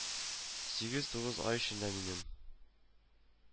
Сигез-тугыз ай эчендә минем